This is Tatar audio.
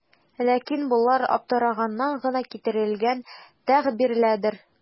Ләкин болар аптыраганнан гына китерелгән тәгъбирләрдер.